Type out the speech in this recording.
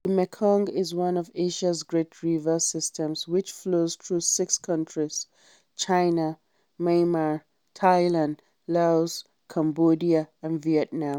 The Mekong is one of Asia’s great river systems which flows through six countries: China, Myanmar, Thailand, Laos, Cambodia, and Vietnam.